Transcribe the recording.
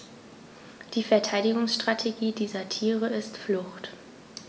Die Verteidigungsstrategie dieser Tiere ist Flucht.